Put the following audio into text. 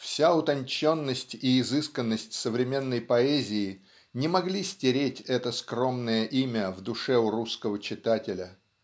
вся утонченность и изысканность современной поэзии не могли стереть это скромное имя в душе у русского читателя.